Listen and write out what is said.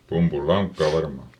pumpulilankaa varmaankin